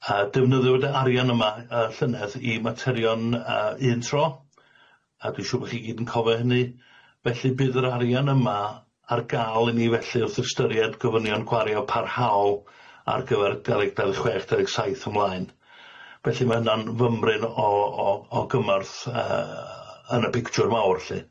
Yyy defnyddiwyd yr arian yma yyy llynedd i materion y- un tro, a dwi'n siŵr bo' chi gyd yn cofio hynny, felly bydd yr arian yma ar gal i ni felly wrth ystyried gofynion gwario parhaol ar gyfer deu ddeg dau ddeg chwech dau ddeg saith ymlaen, felly ma' hynna'n fymryn o- o- o gymorth yyy yn y pictiwr mawr 'lly.